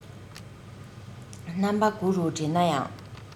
རྣམ པ དགུ རུ འདྲེན ན ཡང